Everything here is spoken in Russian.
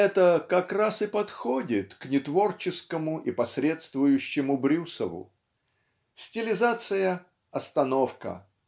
это как-раз и подходит к нетворческому и посредствующему Брюсову. Стилизация -- остановка